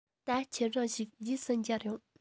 ད ཁྱེད རང བཞུགས རྗེས སུ མཇལ ཡོང